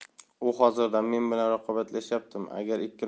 u hozirdan men bilan raqobatlashyaptimi agar ikki